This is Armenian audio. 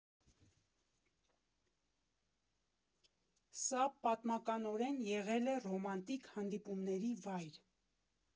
Սա պատմականորեն եղել է ռոմանտիկ հանդիպումների վայր։